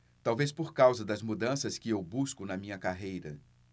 talvez por causa das mudanças que eu busco na minha carreira